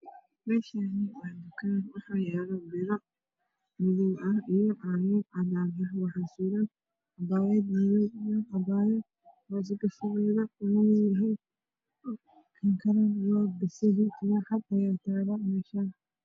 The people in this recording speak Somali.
Meeshaan waa tukaan waxaa yaalo biro madow ah iyo caagag cadaan ah waxaa suran cabaayad iyo hoos gashigeeda. Kan kale waa basali iyo cadaan iyo jaalo.